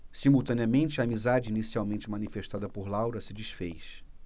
simultaneamente a amizade inicialmente manifestada por laura se disfez